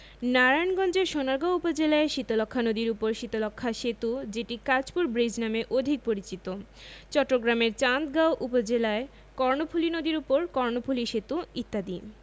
নারায়ণগঞ্জের সোনারগাঁও উপজেলায় শীতলক্ষ্যা নদীর উপর শীতলক্ষ্যা সেতু যেটি কাঁচপুর ব্রীজ নামে অধিক পরিচিত চট্টগ্রামের চান্দগাঁও উপজেলায় কর্ণফুলি নদীর উপর কর্ণফুলি সেতু ইত্যাদি